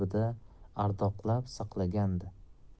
o'z qalbida ardoqlab saqlagandi